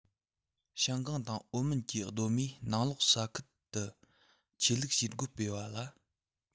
ཞང ཀང དང ཨོ མིན གྱི སྡོད མིས ནང ལོགས ས ཁུལ དུ ཆོས ལུགས བྱེད སྒོ སྤེལ བ ལ